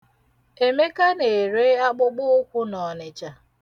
Emeka na-ere akpụkpụụkwụ n'Ọnịcha.